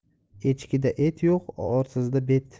echkida et yo'q orsizda bet